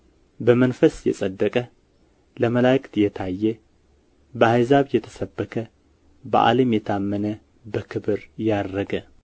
በመንፈስ የጸደቀ ለመላእክት የታየ በአሕዛብ የተሰበከ በዓለም የታመነ በክብር ያረገ